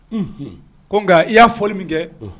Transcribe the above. Unh, ko nka i y'a fɔli min kɛ, un.